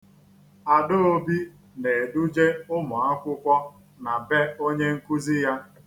Adaobi na-eduje ụmụakwụkwọ na be onye nkuzi ya.